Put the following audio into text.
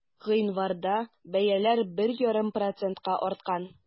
Гыйнварда бәяләр 1,5 процентка арткан.